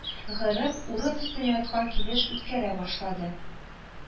Гырып, урын өстенә яткан килеш үткәрә башлады